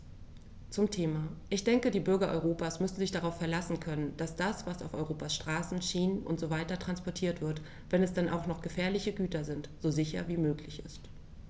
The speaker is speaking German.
Zum Thema: Ich denke, die Bürger Europas müssen sich darauf verlassen können, dass das, was auf Europas Straßen, Schienen usw. transportiert wird, wenn es denn auch noch gefährliche Güter sind, so sicher wie möglich ist.